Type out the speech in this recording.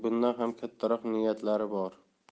kattaroq niyatlari bor